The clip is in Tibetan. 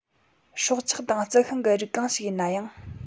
སྲོག ཆགས སམ རྩི ཤིང གི རིགས གང ཞིག ཡིན ཡང